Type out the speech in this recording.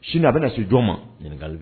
Sini a bɛ na se jɔn ma ɲininkali